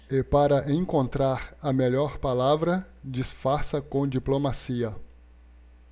é para encontrar a melhor palavra disfarça com diplomacia